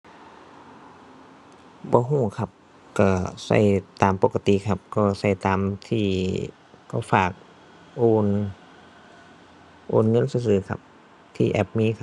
บ่รู้ครับ รู้รู้ตามปกติครับ ก็รู้ตามที่เขาฝาก โอน โอนเงินซื่อซื่อครับ ที่แอปมีครับ